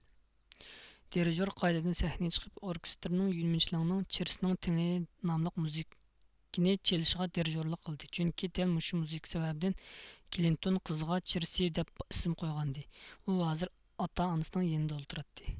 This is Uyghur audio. دىرىژور قايتىدىن سەھنىگە چىقىپ ئوركېستىرنىڭ يۈنمىچلنىڭ چىرىسنىڭ تېڭى ناملىق مۇزىكىنى چېلىشىغا دىرىژورلۇق قىلدى چۈنكى دەل مۇشۇ مۇزىكا سەۋەبىدىن كلىنتون قىزىغا چىرسىي دەپ ئىسىم قويغانىدى ئۇ ھازىر ئاتا ئانىسىنىڭ يېنىدا ئولتۇراتتى